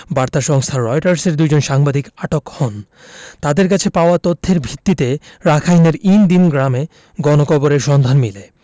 বার্তা সংস্থা রয়টার্সের দুজন সাংবাদিক আটক হন তাঁদের কাছে পাওয়া তথ্যের ভিত্তিতে রাখাইনের ইন দিন গ্রামে গণকবরের সন্ধান মেলে